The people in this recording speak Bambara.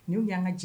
Nin ŋu y'an ŋa j